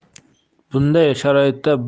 bunday sharoitda birgina maktab